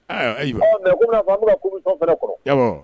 Faamamu fana kɔrɔ